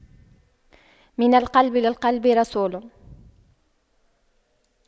من القلب للقلب رسول